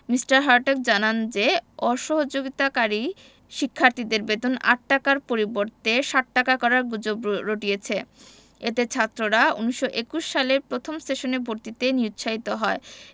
Me. Hartog জানান যে অসহযোগিতাকারী শিক্ষার্থীদের বেতন ৮ টাকার পরিবর্তে ৬০ টাকা করার গুজব রটিয়েছে এতে ছাত্ররা ১৯২১ সালে প্রথম সেশনে ভর্তিতে নিরুৎসাহিত হয়